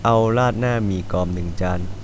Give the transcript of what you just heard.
เอาราดหน้าหมี่กรอบหนึ่งจาน